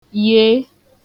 yeè